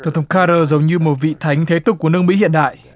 tổng thống ca tơ giống như một vị thánh thế tục của nước mỹ hiện đại